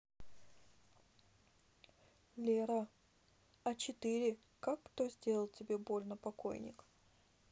лера а четыре как кто сделал тебе больно покойник